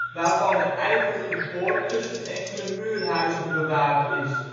waarvan de eigenlijke poort tussen enkele muurhuizen bewaard is